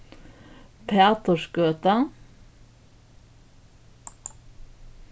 pætursgøta